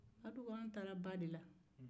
madu ko an taara ba de la